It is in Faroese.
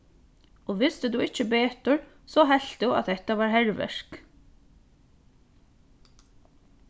og visti tú ikki betur so helt tú at hetta var herverk